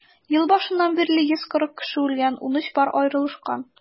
Ел башыннан бирле 140 кеше үлгән, 13 пар аерылышкан.